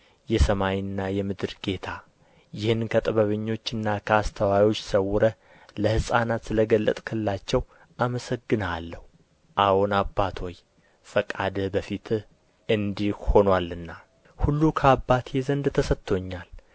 የሰማይና የምድር ጌታ ይህን ከጥበበኞችና ከአስተዋዮች ሰውረህ ለሕፃናት ስለ ገለጥህላቸው አመሰግንሃለሁ አዎን አባት ሆይ ፈቃድህ በፊትህ እንዲህ ሆኖአልና ሁሉ ከአባቴ ዘንድ ተሰጥቶኛል